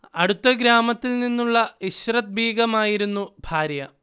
അടുത്ത ഗ്രാമത്തിൽ നിന്നുള്ള ഇശ്രത് ബീഗമായിരുന്നു ഭാര്യ